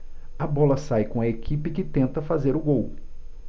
a bola sai com a equipe que tenta fazer o gol